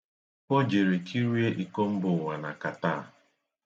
O jere kirie iko mbụụwa na Kataa.